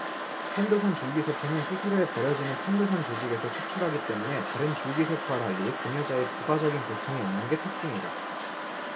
편도선 줄기세포는 수술 후에 버려지는 편도선 조직에서 추출하기 때문에 다른 줄기세포와 달리 공여자의 부가적인 고통이 없는 게 특징이다